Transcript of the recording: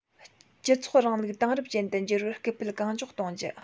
སྤྱི ཚོགས རིང ལུགས དེང རབས ཅན དུ འགྱུར བར སྐུལ སྤེལ གང མགྱོགས གཏོང རྒྱུ